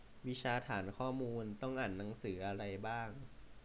วิชาฐานข้อมูลต้องอ่านหนังสืออะไรบ้าง